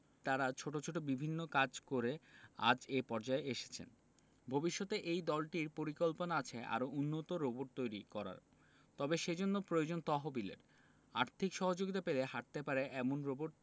তারা ছোট ছোট বিভিন্ন কাজ করে আজ এ পর্যায়ে এসেছেন ভবিষ্যতে এই দলটির পরিকল্পনা আছে আরও উন্নত রোবট তৈরি করার তবে সেজন্য প্রয়োজন তহবিলের আর্থিক সহযোগিতা পেলে হাটতে পারে এমন রোবট